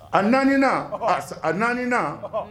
A nanan a nanan